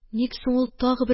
Ник соң ул тагы бер